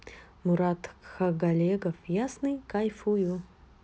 мурат тхагалегов ясный кайфую